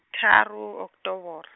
tharo Oktobore.